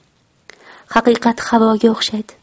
haqiqat havoga o'xshaydi